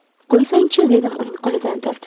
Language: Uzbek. qo'ysang chi dedim uning qo'lidan tortib